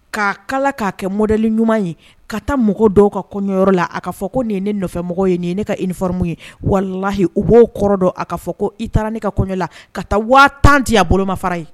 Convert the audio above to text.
K' kala k'a kɛ mɔdli ɲuman ye ka taa mɔgɔw dɔw ka kɔɲɔyɔrɔ la a kaa fɔ ko nin ne nɔfɛmɔgɔ ye nin ye ne ka i nifamu ye walalahi u b'o kɔrɔ dɔn a ka fɔ ko i taara ne ka kɔɲɔla ka taa waa tan tɛ a boloma fara ye